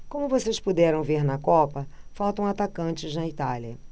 como vocês puderam ver na copa faltam atacantes na itália